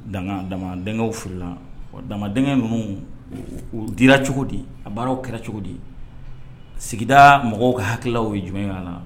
Dan dama denkɛ furula dama denkɛ ninnu dira cogo di a baaraw kɛra cogo di sigida mɔgɔw ka hakiliw ye jumɛn a la